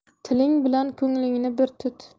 tiling bilan ko'nglingni bir tut